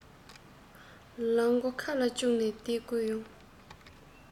ལག མགོ ཁ ལ བཅུག ནས སྡོད དགོས ཡོང